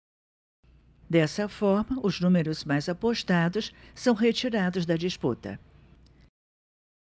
dessa forma os números mais apostados são retirados da disputa